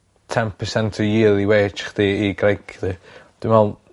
ten percent o yearly wage chdi i gwraig chdi. Dwi me'wl